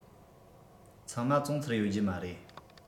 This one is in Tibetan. ཚང མ བཙོང ཚར ཡོད རྒྱུ མ རེད